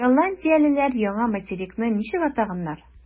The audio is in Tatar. Голландиялеләр яңа материкны ничек атаганнар?